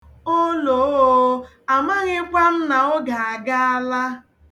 Olooo! Amaghịkwa m na oge agaala!